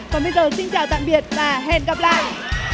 còn bây giờ xin chào tạm biệt và hẹn gặp lại